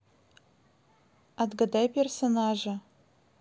отгадай персонажа